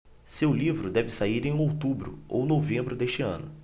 seu livro deve sair em outubro ou novembro deste ano